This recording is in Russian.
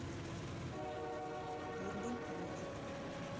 турбо ежик